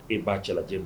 E b'a cɛla